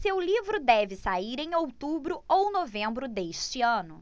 seu livro deve sair em outubro ou novembro deste ano